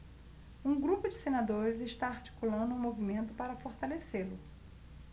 um grupo de senadores está articulando um movimento para fortalecê-lo